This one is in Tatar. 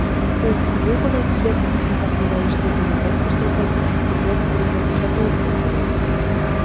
Ул кыю гына килеп, итәгатьле рәвештә билетын күрсәтеп, миннән урынны бушатуымны сорый.